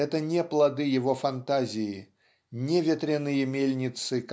это не плоды его фантазии не ветряные мельницы